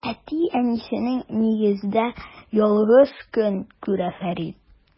Әти-әнисенең нигезендә ялгызы көн күрә Фәрид.